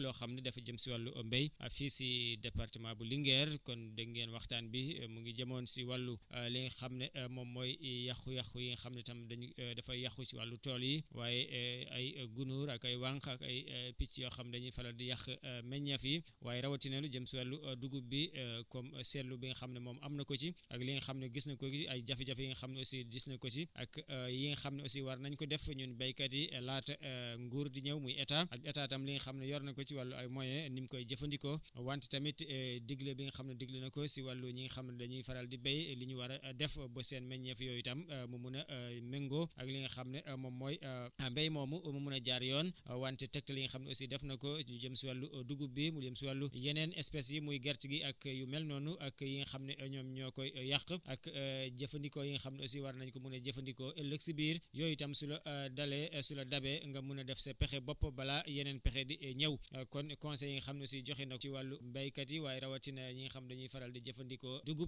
merci kon énu ngi gërëm di sant nag Pierre Badiate mi nga xam ne nag moo yor lépp loo xam ni dafa jëm si wàllu mbéy ak fii si département bu Linguère kon dégg ngeen waxtaan bi mu ngi jëmoon si wàllu li nga xam ne moom mooy yàqu-yàqu yi nga xam ne tam dañu dafay yàqu si wàllu tool yi waaye ay gunóor ak ay wànq ak ay ay picc yoo xam dañuy faral di yàq meññeef yi waaye rawatina lu jëm si wàllu dugub bi comme seetlu bi nga xam moom am na ko ci ak li nga xam ne gis na ko ci ak jafe-jafe yi nga xam ne aussi gis na ko si ak yi nga xm ne aussi war nañu ko def ñun béykat yi laata nguur di ñëw muy état ak état tam li nga xam ne yor na ko ci wàllu ay moyens nim koy jëfandikoo wante tamit digle bi nga xam ne digle na ko si wàllu ñi nga xam ne dañuy faral di béy li ñu war a def ba seen meññeef yooyu tam mu mun a méngoo ak li nga xam ne mooy mbéy moomu mu mun a jaar yoon wante kat li nga xam ne aussi def na ko lu jëm si wàllu dugub bi mu jëm si wàllu yeneen espèces yi muy gerte gi ak yu mel noonu ak yi nga xam ne ñoom ñoo koy yàq ak jëfandikoo yi nga xam aussi war nañ ko mun a jëfandikoo ëllëg si biir yooyu tam su la dalee su la dabee nga mun a def sa pexe bopp balaa yeneen pexe di ñëw